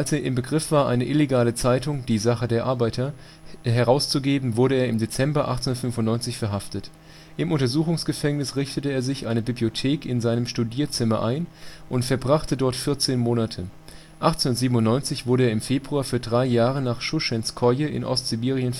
im Begriff war, eine illegale Zeitung Die Sache der Arbeiter herauszugeben, wurde er im Dezember 1895 verhaftet. Im Untersuchungsgefängnis richtete er sich eine Bibliothek in seinem „ Studierzimmer “ein, und verbrachte dort 14 Monate. 1897 wurde er im Februar für drei Jahre nach Schuschenskoje in Ostsibirien verbannt